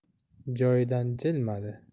joyidan jilmadi